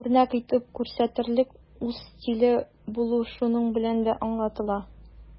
Үрнәк итеп күрсәтерлек үз стиле булу шуның белән дә аңлатыла.